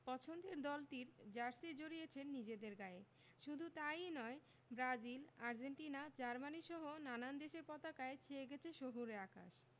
পছন্দের দলটির জার্সি জড়িয়েছেন নিজেদের গায়ে শুধু তা ই নয় ব্রাজিল আর্জেন্টিনা জার্মানিসহ নানান দেশের পতাকায় ছেয়ে গেছে শহুরে আকাশ